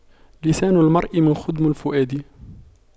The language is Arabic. لسان المرء من خدم الفؤاد